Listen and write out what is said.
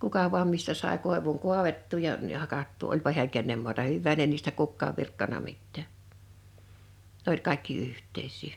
kuka vain mistä sai koivun kaadettua ja - ja hakattua olipa hän kenen maata hyvänsä ne niistä kukaan virkkanut mitään ne oli kaikki yhteisiä